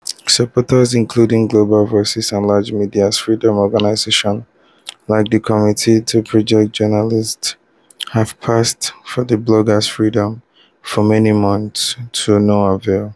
Supporters including Global Voices and large media freedom organizations like the Committee to Protect Journalists have pressed for the bloggers’ freedom for many months, to no avail.